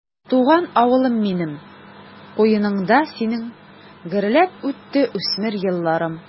Туган авылым минем, куеныңда синең гөрләп үтте үсмер елларым.